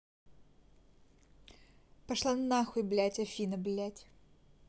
пошла нахуй блядь афина блядь